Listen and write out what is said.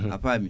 a faami